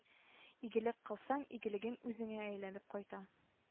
Игелек кылсаң игелегең үзеңә әйләнеп кайта